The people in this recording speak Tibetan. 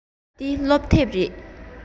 འདི སློབ དེབ རེད